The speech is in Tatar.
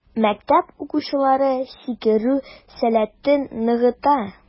Мәктәп укучылары сикерү сәләтен ныгыта.